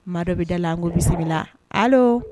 Ma dɔ bɛ da la n ko bisimila la hali